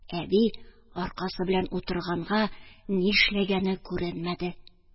Әби аркасы белән утырганга, нишләгәне күренмәде